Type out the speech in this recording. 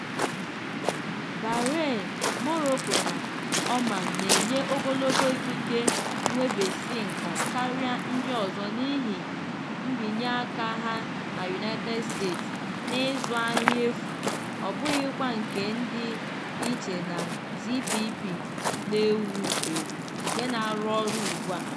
Bahrain, Morocco na Oman na-enye ogologo ikike nnwebisiinka karịa ndị ọzọ n'ihi mbinyeaka ha na United States n'ịzụ ahịa efu, ọ bụghịkwa nke dị iche na TPP na-ewu ewu nke na-arụ ọrụ ugbua.